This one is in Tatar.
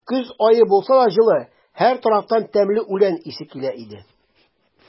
Көз ае булса да, җылы; һәр тарафтан тәмле үлән исе килә иде.